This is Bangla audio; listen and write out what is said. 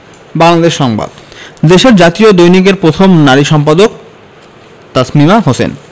বাংলাদেশ সংবাদ দেশের জাতীয় দৈনিকের প্রথম নারী সম্পাদক তাসমিমা হোসেন